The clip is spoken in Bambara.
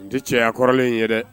Tɛ cɛ kɔrɔlen in ye dɛ